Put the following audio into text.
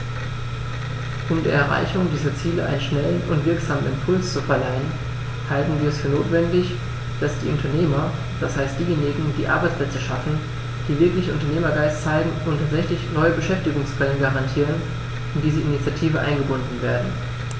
Um der Erreichung dieser Ziele einen schnellen und wirksamen Impuls zu verleihen, halten wir es für notwendig, dass die Unternehmer, das heißt diejenigen, die Arbeitsplätze schaffen, die wirklichen Unternehmergeist zeigen und tatsächlich neue Beschäftigungsquellen garantieren, in diese Initiative eingebunden werden.